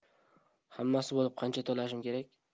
hammasi bo'lib qancha to'lashim kerak